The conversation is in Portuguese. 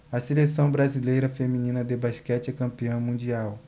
a seleção brasileira feminina de basquete é campeã mundial